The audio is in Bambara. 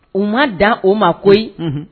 U ma dan o ma ko